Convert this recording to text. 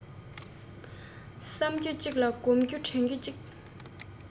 བསམ རྒྱུ གཅིག ལ བསྒོམ རྒྱུ དྲན རྒྱུ གཅིག